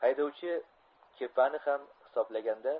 haydovchi kepani ham hisoblaganda